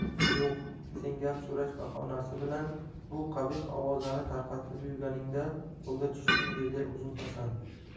yo'q sen gap so'rash bahonasi bilan bu qabih ovozani tarqatib yurganingda qo'lga tushding dedi uzun hasan